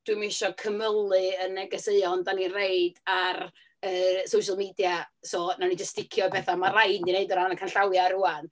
Dwi'm isio cymylu y negeseuon dan ni'n roid ar yy social media. So wnawn ni jyst sdicio i pethau ma' raid i ni wneud o ran y canllawiau rŵan.